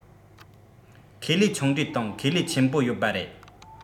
ཁེ ལས ཆུང གྲས དང ཁེ ལས ཆེན པོ ཡོད པ རེད